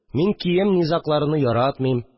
. мин кием низагъларыны яратмыйм